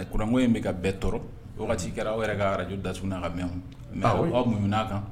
Kouranko in bɛ ka bɛɛ tɔɔrɔ, waagati kɛra aw yɛrɛ ka arajo datuguna ka même mais awɔ , aw muɲuna kan.